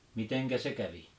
miten miten se kävi